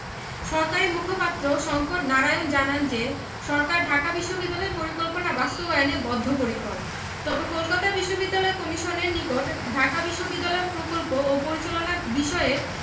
সরকারি মুখপাত্র শঙ্কর নারায়ণ জানান যে সরকার ঢাকা বিশ্ববিদ্যালয় পরিকল্পনা বাস্তবায়নে বদ্ধপরিকর তবে কলকাতা বিশ্ববিদ্যালয় কমিশনের নিকট ঢাকা বিশ্ববিদ্যালয় প্রকল্প ও পরিচালনা বিষয়ে